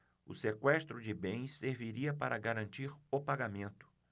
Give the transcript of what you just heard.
o sequestro de bens serviria para garantir o pagamento